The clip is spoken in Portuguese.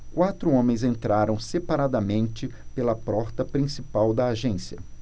quatro homens entraram separadamente pela porta principal da agência